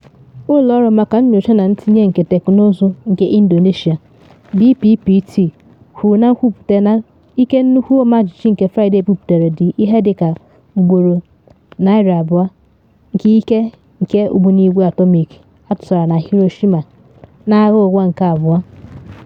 Ụlọ Ọrụ maka Nyocha na Ntinye nke Teknụzụ nke Indonesia (BPPT) kwuru na nkwupute na ike nnukwu ọmajiji nke Fraịde buputere dị ihe dị ka ugboro 200 nke ike nke ogbunigwe atọmik atụsara na Hiroshima na Agha Ụwa nke Abụọ.